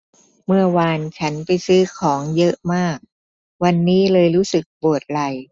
เมื่อวานฉันไปซื้อของเยอะมากวันนี้เลยรู้สึกปวดไหล่